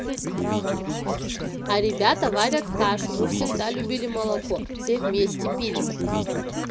а ребята варят кашу мы всегда любили молоко все вместе пили